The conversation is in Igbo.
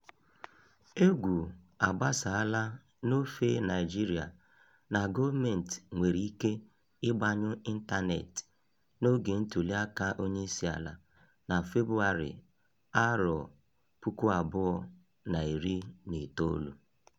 Égwù agbasaala n'ofe Naịjirịa na gọọmentị nwere ike ịgbanyụ ịntaneetị n'oge ntụliaka onyeisiala na Febụwarị 2019.